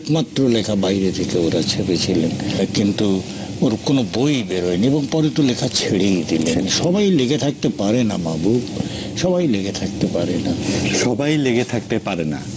একমাত্র লেখা বাইরে থেকে ওরা ছেপেছিল কিন্তু ওর কোন বই বের হয়নি পরে তো লেখা ছেড়েই দিলেন সবাই লেগে থাকতে পারে না মাহবুব সবাই লেগে থাকতে পারে না সবাই লেগে থাকতে পারে না